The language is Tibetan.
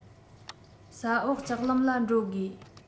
ས འོག ལྕགས ལམ ལ འགྲོ དགོས